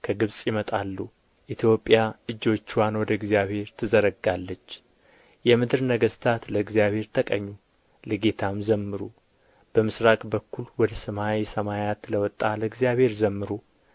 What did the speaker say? ከግብጽ ይመጣሉ ኢትዮጵያ እጆችዋን ወደ እግዚአብሔር ትዘረጋለች የምድር ነገሥታት ለእግዚአብሔር ተቀኙ ለጌታም ዘምሩ በምሥራቅ በኩል ወደ ሰማየ ሰማያት ለወጣ ለእግዚአብሔር ዘምሩ